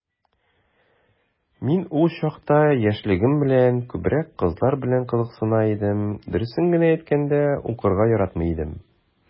Мин ул чакта, яшьлегем белән, күбрәк кызлар белән кызыксына идем, дөресен генә әйткәндә, укырга яратмый идем...